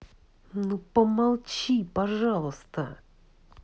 ну помолчи пожалуйста